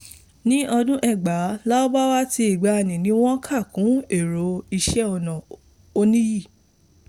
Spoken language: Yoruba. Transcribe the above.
Ní ìbẹ̀rẹ̀ ọdún 2000, Lárùbáwá ti ìgbànnì ni wọ́n máa ń kà kún èrò iṣẹ́ ọnà "oníyì".